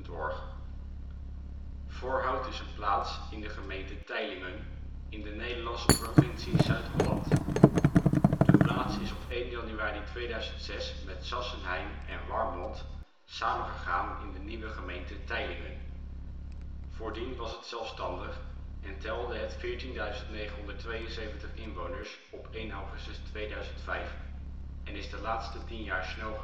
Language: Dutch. OL Voorhout Plaats in Nederland Situering Provincie Zuid-Holland Gemeente Teylingen Coördinaten 52° 13′ NB, 4° 29′ OL Algemeen Oppervlakte 12,62 km² Inwoners (2005) 14.972 Portaal Nederland Voorhout is een plaats in de gemeente Teylingen in de Nederlandse provincie Zuid-Holland. De plaats is op 1 januari 2006 met Sassenheim en Warmond samengegaan in de nieuwe gemeente Teylingen. Voordien was het zelfstandig en telde het 14.972 inwoners (1 augustus 2005), en is de laatste 10 jaar snel gegroeid